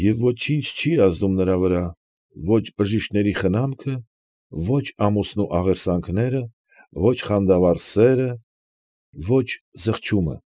Եվ ոչինչ չի ազդու նրա վրա ո՛չ բժիշկների խնամքը, ո՛չ ամուսնու աղերսանքները, ո՛չ խանդավառ սերը, ո՛չ զղջումը։